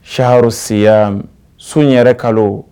Sro seraya sun yɛrɛ kalo